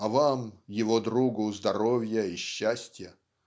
а Вам, его другу, здоровья и счастья",